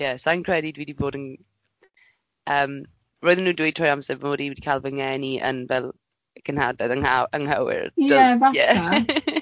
ie sai'n credu dwi di bod yn ymm roedden nhw'n dweud trwy'r amser bod i wedi cal fy ngeni yn fel cynghadledd ang- anghywir... Ie falle.